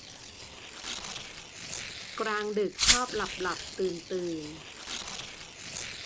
กลางดึกชอบหลับหลับตื่นตื่น